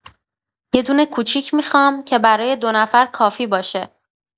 یه دونه کوچیک می‌خوام که برای دو نفر کافی باشه.